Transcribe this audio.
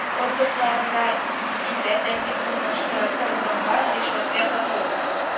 Органнары да, илдә тәртип урнаштырасы урынга, ришвәткә сатылып,